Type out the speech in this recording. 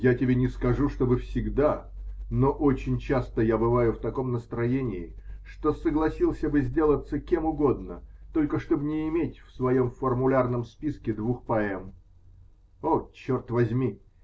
Я тебе не скажу, чтобы всегда, но очень часто я бываю в таком настроении, что согласился бы сделаться кем угодно, только чтоб не иметь в своем формулярном списке двух поэм. О, черт возьми!